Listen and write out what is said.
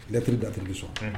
Lɛturu datbi sɔn